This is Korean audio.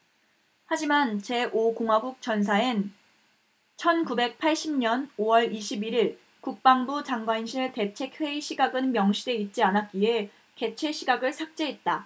하지만 제 오 공화국전사 엔 천 구백 팔십 년 오 월 이십 일 일 국방부 장관실 대책회의 시각은 명시돼 있지 않았기에 개최 시각을 삭제했다